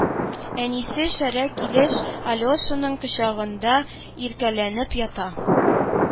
«әнисе» шәрә килеш алешаның кочагында иркәләнеп ята